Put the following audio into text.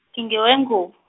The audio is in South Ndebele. ngingewe ngubo.